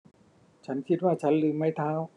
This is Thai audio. ฉันคิดว่าฉันลืมไม้เท้า